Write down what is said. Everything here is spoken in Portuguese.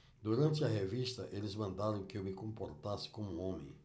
durante a revista eles mandaram que eu me comportasse como homem